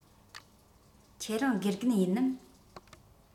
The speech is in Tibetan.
ཁྱེད རང དགེ རྒན ཡིན ནམ